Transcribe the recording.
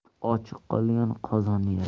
it ochiq qolgan qozonni yalar